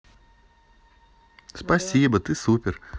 спасибо ты супер